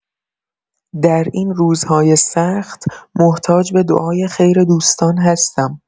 در این روزهای سخت، محتاج به دعای خیر دوستان هستم.